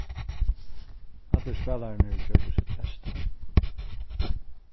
allir spælararnir gjørdu sítt besta